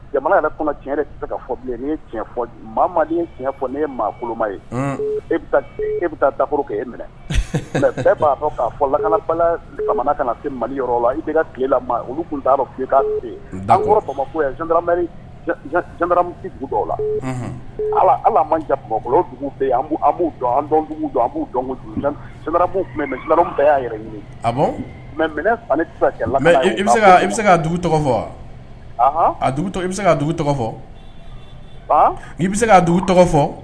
Jamana yɛrɛ kɔnɔ tiɲɛ fɔ bilen ye tiɲɛ fɔ ne ye maakolonma ye e e bɛ taa dakoro kɛ e minɛ mɛ b'aa fɔ laga kana maliyɔrɔ la i tilela olu tun' dugu la ala alakumakolon fɛ b yɛrɛ ɲini mɛ la mɛ bɛ dugu tɔgɔ fɔ a bɛ se dugu tɔgɔ fɔ i bɛ se k dugu tɔgɔ fɔ